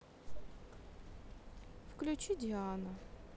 включи диана